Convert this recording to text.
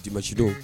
Dimache don